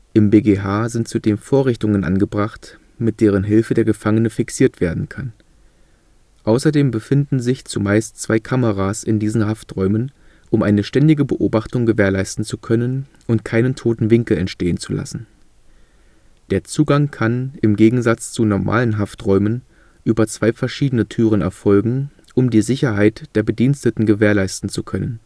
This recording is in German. Im BgH sind zudem Vorrichtungen angebracht, mit deren Hilfe der Gefangene fixiert werden kann. Außerdem befinden sich zumeist zwei Kameras in diesen Hafträumen, um eine ständige Beobachtung gewährleisten zu können und keinen „ toten Winkel “entstehen zu lassen. Der Zugang kann, im Gegensatz zu normalen Hafträumen, über zwei verschiedene Türen erfolgen um die Sicherheit der Bediensteten gewährleisten zu können